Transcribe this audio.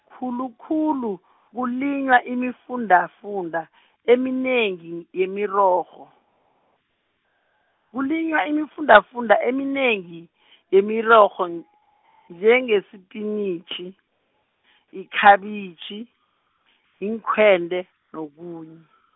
khulukhulu kulinywa iimfundafunda eminengi yemirorho, kulinywa iimfundafunda eminengi yemirorho n-, njengesipinitjhi, ikhabitjhi, iinkhwende, nokunye.